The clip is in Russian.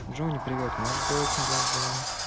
джонни привет можешь сделать назад джонни